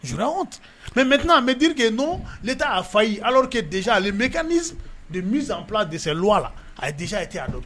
Mɛt mɛrikea fa ye ala de ale mip dese lu la a ye di ye cɛ a don